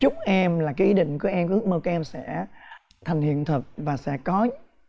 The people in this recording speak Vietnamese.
chúc em là cái ý định của em ước mơ của em sẽ thành hiện thực và sẽ có